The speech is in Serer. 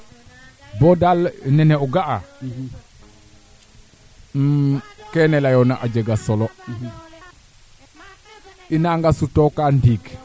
waaga ref o nan nena Ndane xaƴaa paalof kamo maaxole keeke im leya ley yit ka jega fada mbasanam teen xaqa paax yaam oxu refna xalaluma felaan